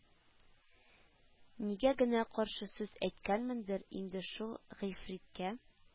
Нигә генә каршы сүз әйткәнмендер инде шул Гыйфриткә